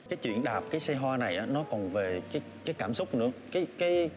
cái chuyện đạp cái xe hoa này nó còn về cái cái cảm xúc nữa cái cái